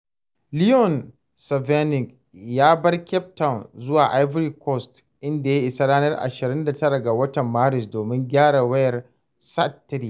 Leon Thevening ya bar Cape Town zuwa Ivory Coast, inda ya isa ranar 29 ga watan Maris domin gyara wayar SAT-3.